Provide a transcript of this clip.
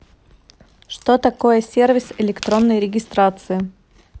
что такое сервис электронной регистрации